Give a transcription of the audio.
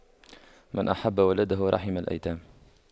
من أحب ولده رحم الأيتام